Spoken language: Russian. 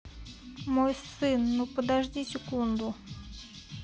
мой сын ну подожди секунду